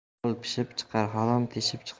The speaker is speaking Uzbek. halol pishib chiqar harom teshib chiqar